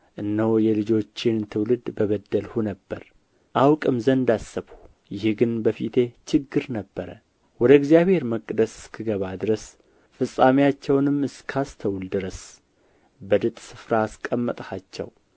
እነሆ የልጆችህን ትውልድ በበደልሁ ነበር አውቅም ዘንድ አሰብሁ ይህ ግን በፊቴ ችግር ነበረ ወደ እግዚአብሔር መቅደስ እስክገባ ድረስ ፍጻሜአቸውንም እስካስተውል ድረስ በድጥ ስፍራ አስቀመጥኻቸው